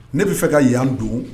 Ne bi fɛ ka yan don